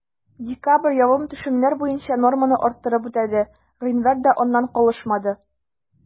Декабрь явым-төшемнәр буенча норманы арттырып үтәде, гыйнвар да аннан калышмады.